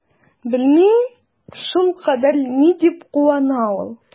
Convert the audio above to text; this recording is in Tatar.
Белмим, шулкадәр ни дип куана ул?